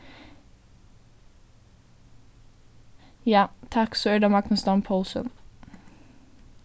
ja takk so er tað magnus dam poulsen